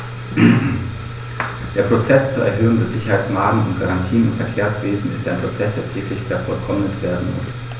Der Prozess zur Erhöhung der Sicherheitsmargen und -garantien im Verkehrswesen ist ein Prozess, der täglich vervollkommnet werden muss.